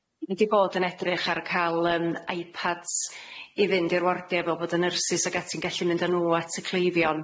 Ni 'di bod yn edrych ar ca'l yym iPads i fynd i'r wardie fel bod y nyrsys ac ati'n gallu mynd â nw at y cleifion.